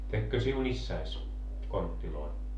tekikö sinun isäsi kontteja